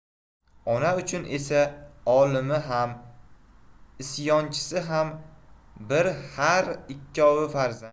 ona uchun esa olimi ham isyonchisi ham bir har ikkovi farzand